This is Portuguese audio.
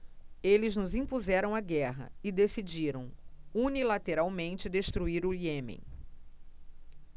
eles nos impuseram a guerra e decidiram unilateralmente destruir o iêmen